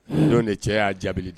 Don de cɛ y'a jaabi dɛ